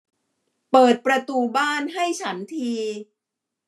เปิดประตูบ้านให้ฉันที